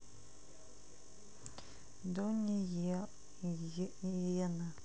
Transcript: донни йена